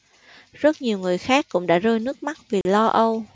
rất nhiều người khác cũng đã rơi nước mắt vì lo âu